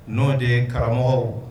N'o de ye karamɔgɔ